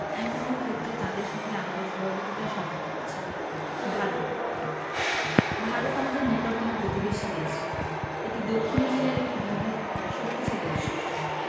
বিভিন্ন ক্ষেত্রে তাদের সঙ্গে আমাদের সহযোগিতার সম্পর্ক আছে ভারতঃ ভারত আমাদের নিকটতম প্রতিবেশী দেশএটি দক্ষিন এশিয়ার একটি বৃহৎও শক্তিশালী রাষ্ট্র